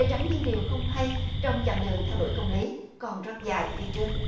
để tránh những điều không hay trong chặng đường theo đuổi công lý còn rất dài phía trước